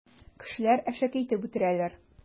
Кешеләр әшәке итеп үтерәләр.